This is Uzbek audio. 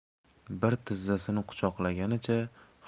bir tizzasini quchoqlaganicha